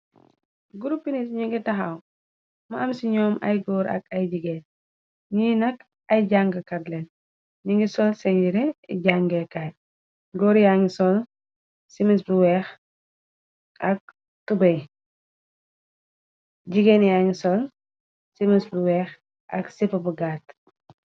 Guruppinit ñu ngi taxaw ma am ci ñoom ay góor ak ay jigéen ni nak ay jàng kat leen ni ngi sol senjire jàngeekaay goor yangi sol simins bluweex ak tubey jigéen yangi sol simins bluweex ak sipha bu gart.